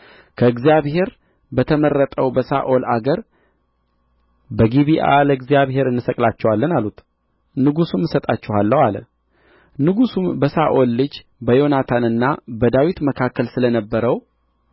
ከእግዚአብሔር በተመረጠው በሳኦል አገር በጊብዓ ለእግዚአብሔር እንሰቅላቸዋለን አሉት ንጉሡም እሰጣችኋለሁ አለ ንጉሡም በሳኦል ልጅ በዮናታንና በዳዊት መካከል ስለ ነበረው